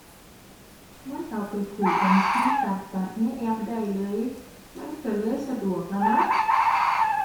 มันเอาไปผูกบัญชีตัดบัตรในแอปได้เลย มันก็เลยสะดวกล่ะมั้ง